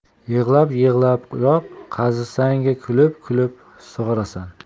yig'lab yig'lab yop qazisang kulib kulib sug'orasan